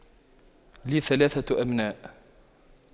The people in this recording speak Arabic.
لي ثلاثة أبناء